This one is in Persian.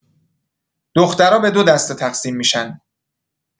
دخترا به دو دسته تقسیم می‌شن